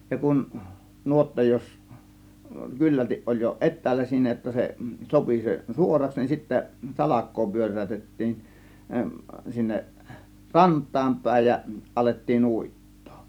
ja kun nuotta jos kyllälti oli jo etäällä siinä jotta se sopi se suoraksi niin sitten salkoa pyöräytettiin sinne rantaan päin ja alettiin uittaa